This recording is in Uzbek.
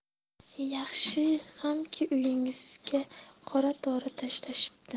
yaxshi hamki uyingizga qora dori tashlashibdi